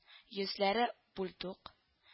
Йөзләре бульдук